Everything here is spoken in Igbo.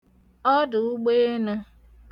ọdụ̀ụgbeenə̄